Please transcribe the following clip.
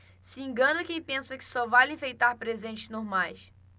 se engana quem pensa que só vale enfeitar presentes normais